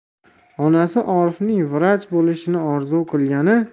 onasi orifning vrach bo'lishini orzu qilgani